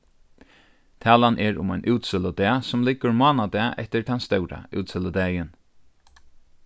talan er um ein útsøludag sum liggur mánadag eftir tann stóra útsøludagin